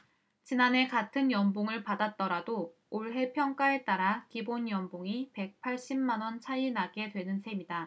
지난해 같은 연봉을 받았더라도 올해 평가에 따라 기본연봉이 백 팔십 만원 차이 나게 되는 셈이다